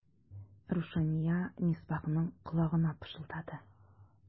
Рушания Мисбахның колагына пышылдады.